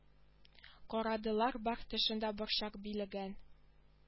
Карадылар бар төшен дә борчак биләгән